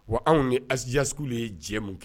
Wa anw ye azjaskulu ye jɛ mun kɛ